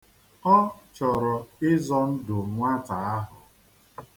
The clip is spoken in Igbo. Ọ chọrọ ịzọ ndụ nwata ahụ.